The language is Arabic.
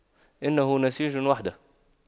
إنه نسيج وحده